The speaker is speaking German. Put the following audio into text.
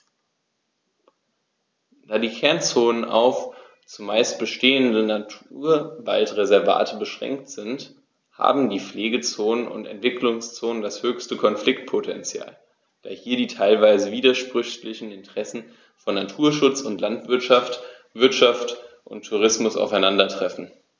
Da die Kernzonen auf – zumeist bestehende – Naturwaldreservate beschränkt sind, haben die Pflegezonen und Entwicklungszonen das höchste Konfliktpotential, da hier die teilweise widersprüchlichen Interessen von Naturschutz und Landwirtschaft, Wirtschaft und Tourismus aufeinandertreffen.